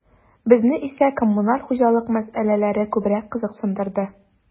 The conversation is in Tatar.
Безне исә коммуналь хуҗалык мәсьәләләре күбрәк кызыксындырды.